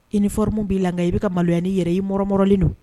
uniforme b'i la, nka i bɛka maloya n'i yɛrɛ ye, i mɔrɔmrɔlen don!